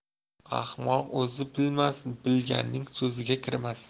ahmoq o'zi bilmas bilganning so'ziga kirmas